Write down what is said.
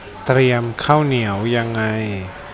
เตรียมข้าวเหนียวยังไง